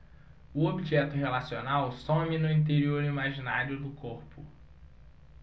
o objeto relacional some no interior imaginário do corpo